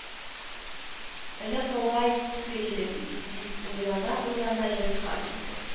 Элек алай түгел иде бит, – дип уйлана-уйлана йортка килде